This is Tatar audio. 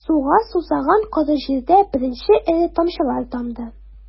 Суга сусаган коры җиргә беренче эре тамчылар тамды...